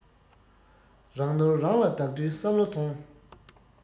རང ནོར རང ལ བདག དུས བསམ བློ ཐོངས